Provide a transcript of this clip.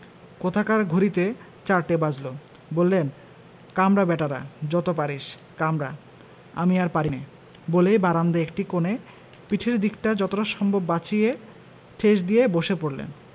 কোথাকার ঘড়িতে চারটে বাজলো বললেন কামড়া ব্যাটারা যত পারিস কামড়া আমি আর পারিনে বলেই বারান্দায় একটা কোণে পিঠের দিকটা যতটা সম্ভব বাঁচিয়ে ঠেস দিয়ে বসে পড়লেন